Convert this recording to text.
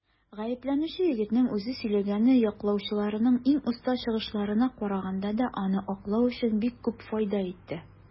Гаепләнүче егетнең үзе сөйләгәне яклаучыларның иң оста чыгышларына караганда да аны аклау өчен бик күп файда итте.